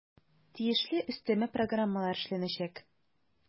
Тиешле өстәмә программалар эшләнәчәк.